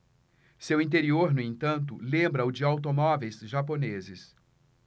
seu interior no entanto lembra o de automóveis japoneses